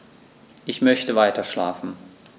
Ich möchte weiterschlafen.